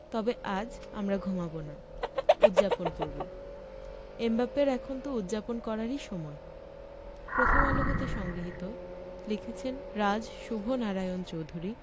তবে আজ আমরা ঘুমাব না উদ্যাপন করব এমবাপ্পের এখন তো উদ্যাপন করারই সময় প্রথম আলো হতে সংগৃহীত লিখেছেন রাজ শুভ নারায়ণ চৌধুরী